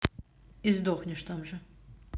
и сдохнешь там же